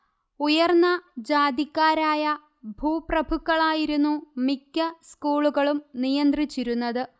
ഉയർന്ന ജാതിക്കാരായ ഭൂപ്രഭുക്കളായിരുന്നു മിക്ക സ്കൂളുകളും നിയന്ത്രിച്ചിരുന്നത്